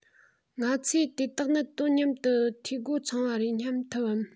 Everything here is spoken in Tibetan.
ང ཚོས དེ དག ནི དོ མཉམ དུ འཐུས སྒོ ཚང བ རེད སྙམ ཐུབ བམ